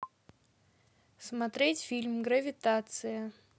смотреть фильм гравитация